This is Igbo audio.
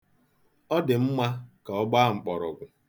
Ọ dị mma ka ọ gbaa mkpọrọgwụ.